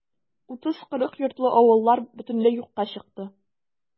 30-40 йортлы авыллар бөтенләй юкка чыкты.